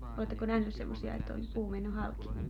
oletteko nähnyt semmoisia että on puu mennyt halki